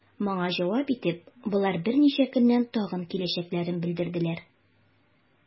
Моңа җавап итеп, болар берничә көннән тагын киләчәкләрен белдерделәр.